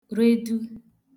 redu